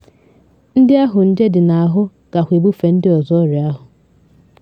Ndị ahụ nje dị n'ahụ ga-kwa ebufe ndị ọzọ ọrịa ahụ.